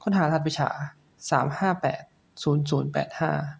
ค้นหารหัสวิชาสามห้าแปดศูนย์ศูนย์แปดห้า